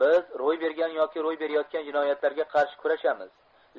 biz ro'y bergan yoki ro'y berayotgan jinoyatlarga qarshi kurashamiz